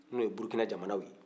n'o ye burukina jamana ye